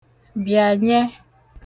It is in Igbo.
bị̀ànyẹ